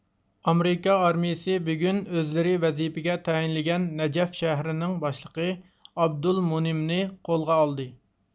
ئامېرىكا ئارمىيىسى بۈگۈن ئۆزلىرى ۋەزىپىگە تەيىنلىگەن نەجەف شەھىرىنىڭ باشلىقى ئابدۇل مۇنىمنى قولغا ئالدى